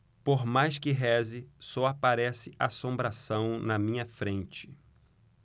por mais que reze só aparece assombração na minha frente